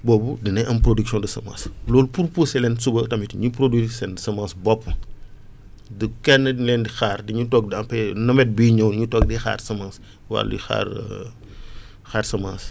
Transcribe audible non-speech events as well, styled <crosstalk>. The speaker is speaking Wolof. boobu danañ am production de semence loolu pour pousser leen suba tamit ñu produire seen semence bopp du kenn lañ xaar du ñu toog dans pé nawet biy ñëw ñu toog di xaar semence <breath> wala di xaar <hesitation> xaar semence